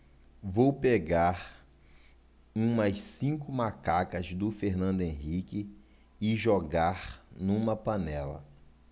vou pegar umas cinco macacas do fernando henrique e jogar numa panela